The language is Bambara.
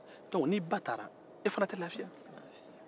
ni ba taara i fana tɛ lafiya